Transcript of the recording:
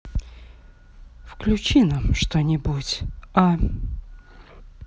включи нам что нибудь а